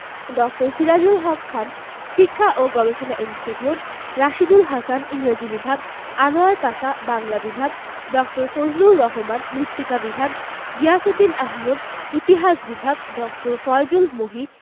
ড. সিরাজুল হক খান শিক্ষা ও গবেষণা ইনস্টিটিউট রাশীদুল হাসান ইংরেজি বিভাগ আনোয়ার পাশা বাংলা বিভাগ ড. ফজলুর রহমান মৃত্তিকা বিভাগ গিয়াসউদ্দিন আহমদ ইতিহাস বিভাগ ড. ফয়জুল মহি